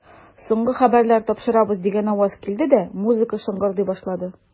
Соңгы хәбәрләр тапшырабыз, дигән аваз килде дә, музыка шыңгырдый башлады.